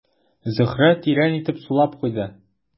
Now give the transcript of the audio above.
Зөһрә тирән итеп сулап куйды.